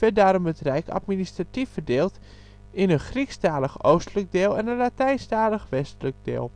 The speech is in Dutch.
daarom het Rijk administratief verdeeld in een Griekstalig oostelijk deel en Latijnstalig westelijk deel